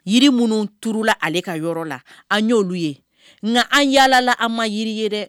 Yiri minnu turula ale ka yɔrɔ la, an y'olu ye nka an yaalala an ma jiri ye dɛ